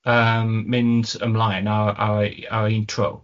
...yym mynd ymlaen ar ar ar un trow.